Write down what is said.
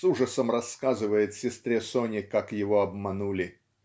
с ужасом рассказывает сестре Соне как его обманули.